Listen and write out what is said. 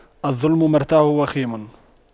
الظلم مرتعه وخيم